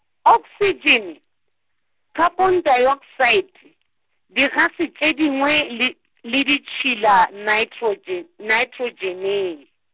oksitšene, khapontaoksaete, digase tše dingwe le, le ditšhila naetrotšen-, naetrotšene.